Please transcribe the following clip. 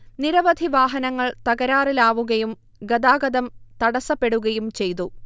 നിരവധി വാഹനങ്ങൾ തകരാറിലാവുകയും ഗതാഗതം തടസപ്പെടുകയും ചെയ്തു